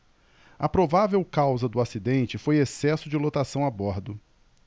a provável causa do acidente foi excesso de lotação a bordo